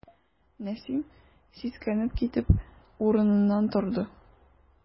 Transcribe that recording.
Нәсим, сискәнеп китеп, урыныннан торды.